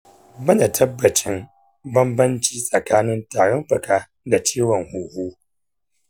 ban da tabbacin bambanci tsakanin tarin fuka da ciwon huhu.